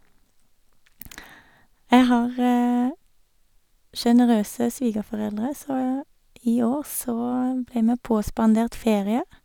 Jeg har generøse svigerforeldre, så i år så ble vi påspandert ferie.